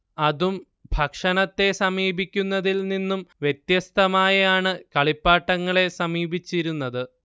അതും ഭക്ഷണത്തെ സമീപിക്കുന്നതിൽ നിന്നും വ്യത്യസ്തമായാണ് കളിപ്പാട്ടങ്ങളെ സമീപിച്ചിരുന്നത്